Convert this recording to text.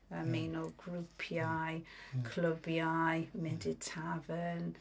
Ymuno grwpiau clwbiau, mynd i tafarn.